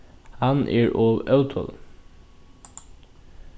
hann er ov ótolin